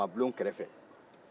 faamabulon kɛrɛ fɛ